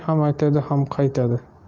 ham aytadi ham qaytadi